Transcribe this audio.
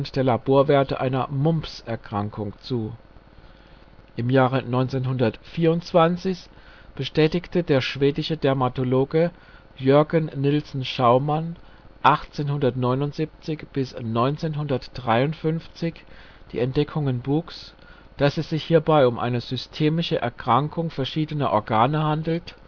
der Laborwerte einer Mumpserkrankung zu. Im Jahre 1924 bestätige der schwedische Dermatologe Jörgen Nilsen Schaumann (1879 - 1953) die Entdeckungen Boecks, dass es sich hierbei um eine systemische Erkrankung verschiedener Organe handelt